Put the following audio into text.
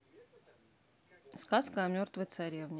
сказка о мертвой царевне